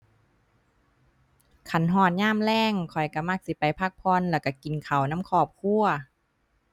คันฮอดยามแลง ข้อยก็มักสิไปพักผ่อนแล้วก็กินข้าวนำครอบครัว